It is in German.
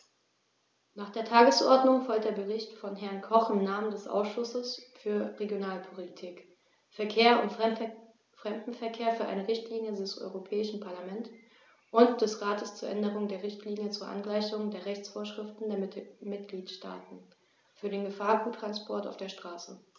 Nach der Tagesordnung folgt der Bericht von Herrn Koch im Namen des Ausschusses für Regionalpolitik, Verkehr und Fremdenverkehr für eine Richtlinie des Europäischen Parlament und des Rates zur Änderung der Richtlinie zur Angleichung der Rechtsvorschriften der Mitgliedstaaten für den Gefahrguttransport auf der Straße.